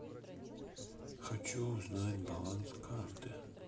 хочу узнать баланс карты